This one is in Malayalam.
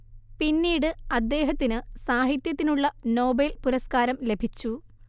പിന്നീട് അദ്ദേഹത്തിനു സാഹിത്യത്തിനുള്ള നോബേൽ പുരസ്കാരം ലഭിച്ചു